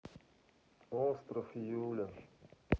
остров юлин